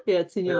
Ia, ti'n iawn.